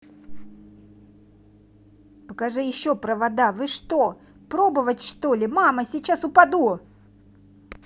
покажи еще провода вы что пробовать что ли мама сейчас упаду